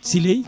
Sileye